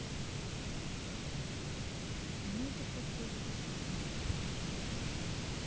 музыка перед сном